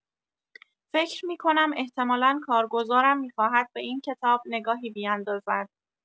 فکر می‌کنم احتملا کارگزارم می‌خواهد به این کتاب نگاهی بیندازد.